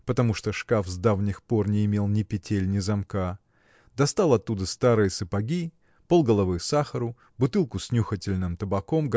потому что шкаф с давних пор не имел ни петель ни замка – достал оттуда старые сапоги полголовы сахару бутылку с нюхательным табаком